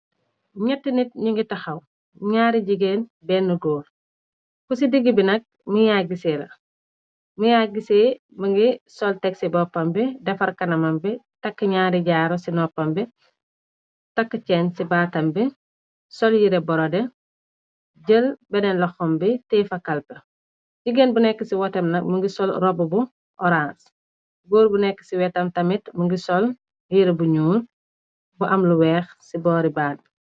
N'ett nit ñu ngi taxaw ñaari jigéen benn góor ku ci digg bi nak miaagisi ra miyaagisi mi ngi sol teg ci boppam bi defar kanamam bi takk ñaari jaaru ci noppam bi takk cenn ci baatam bi sol yire borode jël beneen loxom bi tee fakalpe jigéen bu nekk ci wotam nag mu ngi sol rob bu orange góor bu nekk ci wetam tamit mungi sol riire bu ñuul bu am lu weex ci boori baat b.